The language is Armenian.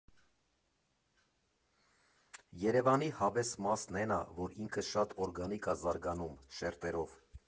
Երևանի հավես մասն էն ա, որ ինքը շատ օրգանիկ ա զարգանում՝ շերտերով։